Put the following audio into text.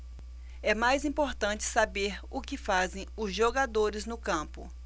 é mais importante saber o que fazem os jogadores no campo